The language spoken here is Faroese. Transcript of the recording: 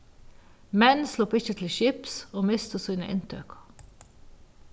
menn sluppu ikki til skips og mistu sína inntøku